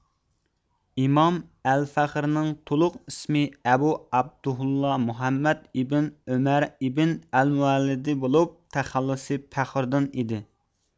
ئىمام ئەلفەخرنىڭ تولۇق ئىسمى ئەبۇ ئابدۇللاھ مۇھەممەد ئىبن ئۆمەر ئىبن ئەلمۇۋەللەد بولۇپ تەخەللۇسى پەخرۇدىن ئىدى